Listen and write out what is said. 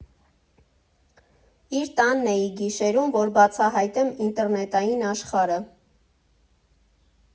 Իր տանն էի գիշերում, որ բացահայտեմ ինտերնետային աշխարհը։